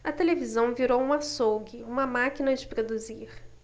a televisão virou um açougue uma máquina de produzir